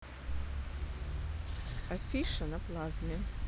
афиша на плазме